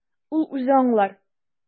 Ул үзе аңлар.